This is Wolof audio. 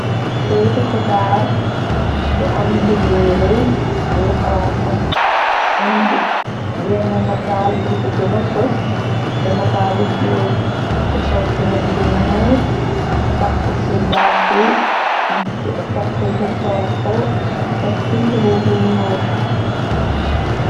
Ke yitu xibaar bu am bindi yu rëy yu xonko am benn nataal bu ci gëna fos da nataalu góor ku sor sinis bu nuul ak ci baat btakk bu xoŋko tek cimb bu bu ñyuul.